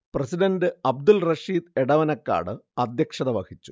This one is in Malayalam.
പ്രസിഡൻറ് അബ്ദുൽ റഷീദ് എടവനക്കാട് അധ്യക്ഷത വഹിച്ചു